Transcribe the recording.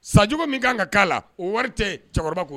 San jugu min ka kan ka k'a la o wari tɛ cɛkɔrɔba ko